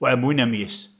Wel, mwy na mis.